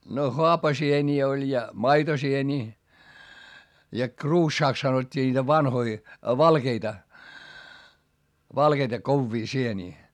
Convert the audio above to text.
no haapasieniä oli ja maitosieniä ja kruussaksi sanottiin niitä vanhoja valkeita valkeita kovia sieniä